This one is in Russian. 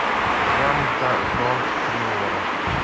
лямда зонд приора